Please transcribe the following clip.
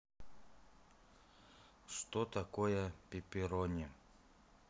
что такое пеперони